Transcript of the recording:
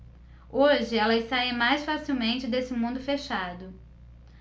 hoje elas saem mais facilmente desse mundo fechado